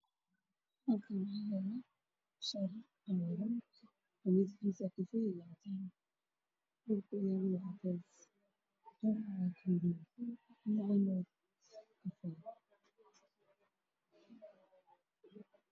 Meeshan waxaa yaalo shaati midadkiisu yahay caddaan oo ku jiro bac